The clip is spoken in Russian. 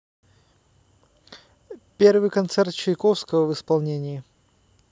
первый концерт чайковского в исполнении